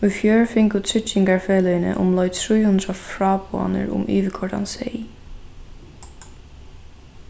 í fjør fingu tryggingarfeløgini umleið trý hundrað fráboðanir um yvirkoyrdan seyð